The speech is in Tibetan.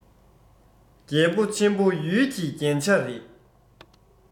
རྒྱལ པོ ཆེན པོ ཡུལ གྱི རྒྱན ཆ རེད